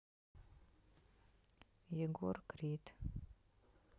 егор крид